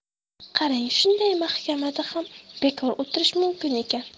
qarang shunday mahkamada ham bekor o'tirish mumkin ekan